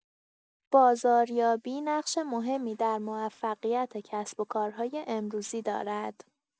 بازاریابی نقش مهمی در موفقیت کسب‌وکارهای امروزی دارد.